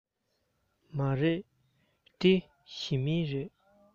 མ རེད འདི ཞི མི རེད